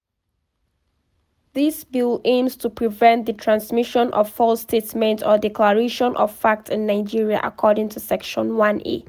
This bill aims to "[prevent] the transmission of false statements or declaration of facts in Nigeria", according to Section 1a.